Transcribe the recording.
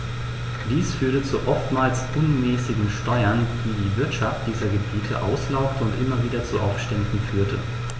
Dies führte zu oftmals unmäßigen Steuern, die die Wirtschaft dieser Gebiete auslaugte und immer wieder zu Aufständen führte.